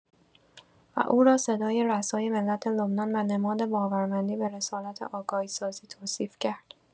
و او را، صدای رسای ملت لبنان و نماد باورمندی به رسالت آگاهی‌سازی توصیف کرد.